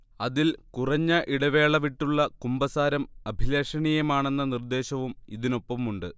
അതിൽ കുറഞ്ഞ ഇടവേളവിട്ടുള്ള കുമ്പസാരം അഭിലഷണീയമാണെന്ന നിർദ്ദേശവും ഇതിനൊപ്പമുണ്ട്